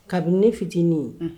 Kabini ne fitinin